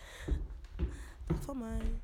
Takk for meg.